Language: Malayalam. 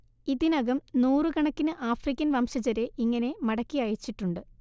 ഇതിനകം നൂറു കണക്കിന് ആഫ്രിക്കൻ വംശജരെ ഇങ്ങനെ മടക്കി അയച്ചിട്ടുണ്ട്